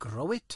Grow it.